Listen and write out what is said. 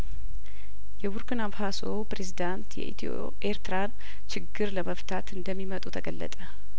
የቡርኪናፋሶው ፐሬዝዳንት የኢትዮ ኤርትራን ችግር ለመፍታት እንደሚመጡ ተገለጠ